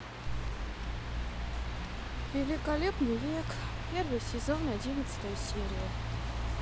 великолепный век первый сезон одиннадцатая серия